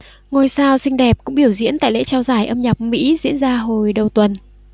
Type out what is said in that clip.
ngôi sao xinh đẹp cũng biểu diễn tại lễ trao giải âm nhạc mỹ diễn ra hồi đầu tuần